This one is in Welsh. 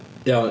Iawn.